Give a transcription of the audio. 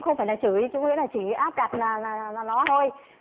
không phải là chửi chủ ý là chỉ áp đặt là là là là nó thôi